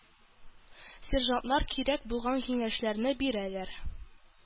Сержантлар кирәк булган киңәшләрне бирәләр.